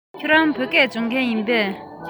ཁྱེད རང བོད སྐད སྦྱོང མཁན ཡིན པས